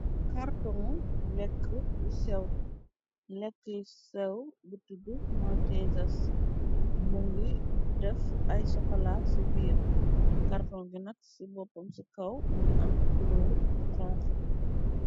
cartong wlekk yi sew bi tudd maltesas mu ngi def ay sokola ci biir karton gi nag ci boppam ci kaw mu ngi am kuloor bu xonxo